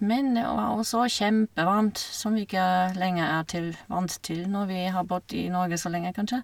Men det var også kjempevarmt, som vi ikke lenger er til vant til når vi har bodd i Norge så lenge, kanskje.